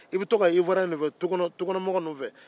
i bɛ to k'a ye tukɔnɔmɔgɔ ninnu fɛ